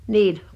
niin